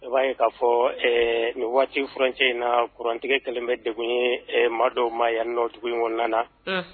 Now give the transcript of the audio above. I b'a in k'a fɔ nin waati furancɛ in na kurantigɛ kelen bɛ de ye maa dɔw maa yan nɔ tuguni na na